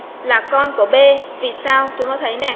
a là con của b vì sao cho nó thấy nè